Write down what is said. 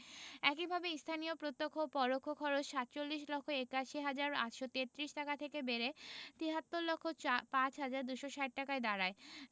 একইভাবে স্থানীয় প্রত্যক্ষ ও পরোক্ষ খরচ ৪৭ লক্ষ ৮১ হাজার ৮৩৩ টাকা থেকে বেড়ে ৭৩ লক্ষ চা ৫ হাজার ২৬০ টাকায় দাঁড়ায়